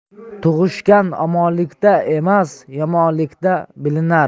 tug'ishgan omonlikda emas yomonlikda bilinar